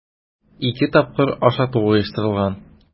Ике тапкыр ашату оештырылган.